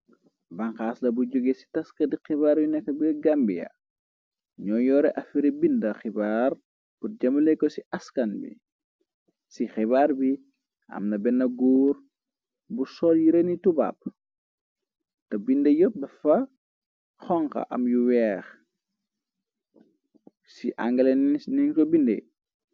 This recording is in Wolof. banxaas la bu jóge ci taskati xibaar yu nekk bir Gambia ñoo yoore afire bind xibaar but jamale ko ci askan bi ci xibaar bi amna benn guur bu sol yireni tubapb te binde yépp dafa xonka am yu weex ci angalenenko binde.